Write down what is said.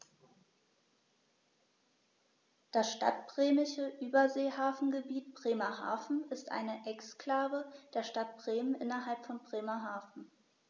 Das Stadtbremische Überseehafengebiet Bremerhaven ist eine Exklave der Stadt Bremen innerhalb von Bremerhaven.